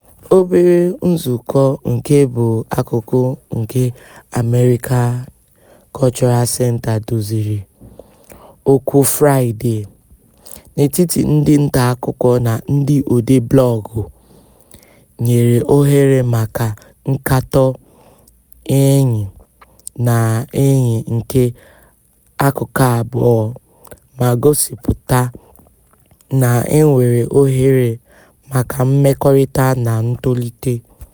Obere nzukọ nke bụ akụkụ nke American Cultural Center duziri "Okwu Fraịdee" n'etiti ndị ntaakụkọ na ndị odee blọọgụ nyere ohere maka nkatọ enyi na enyi nke akụkụ abụọ ma gosịpụta na e nwere ohere maka mmekọrịta na ntolite.